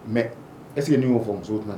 Mɛ ɛ ni'o fɔ musow